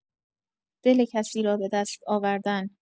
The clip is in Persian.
دل کسی را به دست آوردن